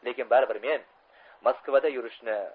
lekin baribir men moskvada yurishni